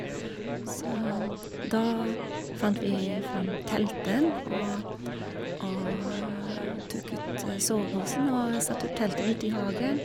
Så da fant vi fram teltet, og og tok ut soveposen og satt ut telten uti hagen.